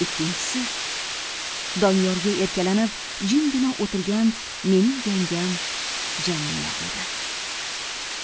ikkinchisi donyorga erkalanib jimgina o'tirgan mening yangam jamila edi